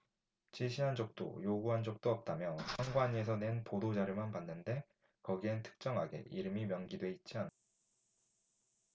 지시한 적도 없고 요구한 적도 없다며 선관위에서 낸 보도자료만 봤는데 거기엔 특정하게 이름이 명기돼 있지 않다